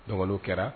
N ɲɔgɔn kɛra